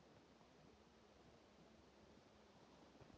смотреть комедию россия отдыхает третья серия